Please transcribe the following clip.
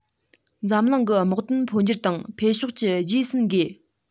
འཛམ གླིང གི དམག དོན འཕོ འགྱུར དང འཕེལ ཕྱོགས ཀྱི རྗེས ཟིན དགོས